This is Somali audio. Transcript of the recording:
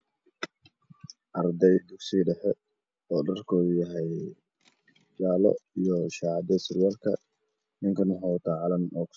Arday dugsi dhexe oo dharkooda yahay jaale iyo shaati iyo surwaalka ninkana wuxu wata calan